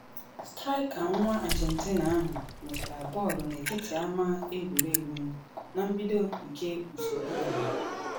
Strịka nwa Argentina ahụ nwetara bọọlụ n’etiti ama egwuregwu na mbido nke usoro ahụ.